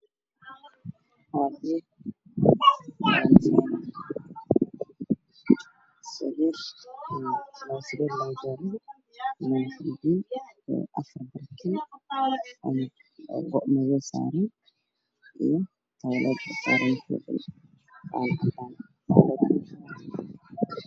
Waxaa ii muuqda qol jiif ah waxaa yaalo covidino toboleed iyo katabbaan katamaanka waxaa saaran boorso madow aqalkana midabkiisu waa caddaan